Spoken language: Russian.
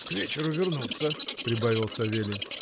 — К вечеру вернутся, — прибавил Савелий.